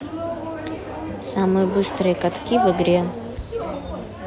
самые быстрые катки в игре